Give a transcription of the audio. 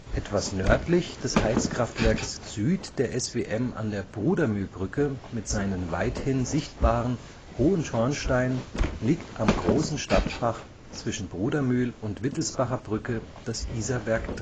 Etwas nördlich des Heizkraftwerkes Süd der SWM an der Brudermühlbrücke mit seinen weithin sichtbaren hohen Schornsteinen liegt am Großen Stadtbach zwischen Brudermühl - und Wittelsbacherbrücke das Isarwerk